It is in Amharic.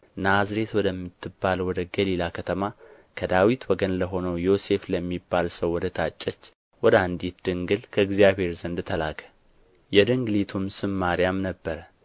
ናዝሬት ወደምትባል ወደ ገሊላ ከተማ ከዳዊት ወገን ለሆነው ዮሴፍ ለሚባል ሰው ወደ ታጨች ወደ አንዲት ድንግል ከእግዚአብሔር ዘንድ ተላከ የድንግሊቱም ስም ማርያም ነበረ